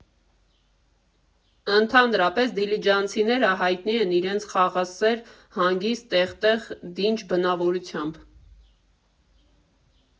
Ընդհանրապես, դիլիջանցիները հայտնի են իրենց խաղաղասեր, հանգիստ, տեղ֊տեղ՝ դինջ բնավորությամբ։